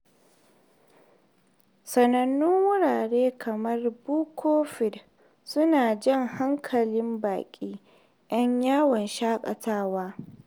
Sanannun wurare kamar Buccoo Reef su na jan hankalin baƙi 'yan yawon shaƙatawa.